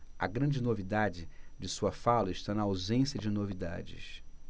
a grande novidade de sua fala está na ausência de novidades